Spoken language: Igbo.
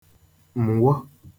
m̀wọ